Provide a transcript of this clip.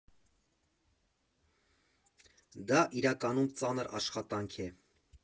Դա իրականում ծանր աշխատանք է։